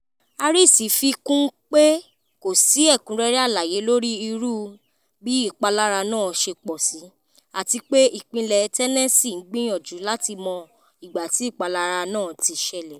Harris fi kún pé kò sí ẹ̀kúnrẹ́rẹ àlàyé lórí irú/bí ìpalara náà ṣe pọ̀ sí” àtipé Ìpínlẹ̀ Tennessee ń gbìyànjú láti mọ ìgbàtí ìpalara náà ti ṣẹlẹ̀.